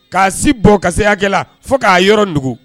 Ka si bɔn ka se hakɛ la fo ka yɔrɔ nugu.